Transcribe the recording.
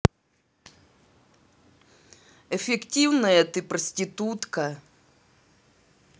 эффективная ты проститутка